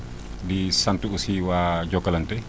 di sant aussi waa Jokalante